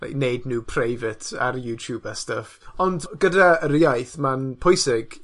wneud nw private ar y YouTube a stuff. Ond gyda yr iaith, ma'n pwysig